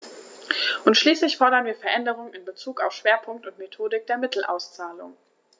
Und schließlich fordern wir Veränderungen in bezug auf Schwerpunkt und Methodik der Mittelauszahlung.